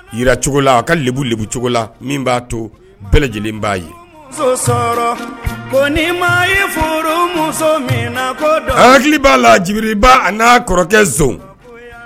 Yicogo la a ka bbuugu cogo la min b'a to bɛɛ lajɛlen b'a ye so sɔrɔ ko ni maa ye foro muso min na ko hakili b'a lajibba a n'a kɔrɔkɛson